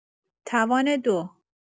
توان دو